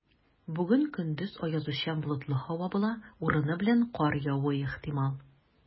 Бүген көндез аязучан болытлы һава була, урыны белән кар явуы ихтимал.